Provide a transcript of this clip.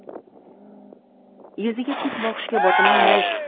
yuziga tik boqishga botinolmay